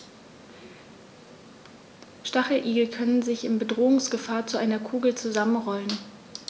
Stacheligel können sich im Bedrohungsfall zu einer Kugel zusammenrollen.